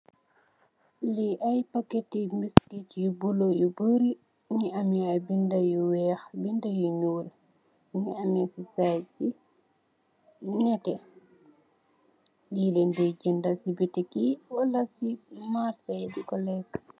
Lee aye packete mesket yu bulo yu bory muge ameh aye beda yu weex beda yu nuul muge ameh se sede be neteh le len de jenda se betik ye wala se marse ye deko leka.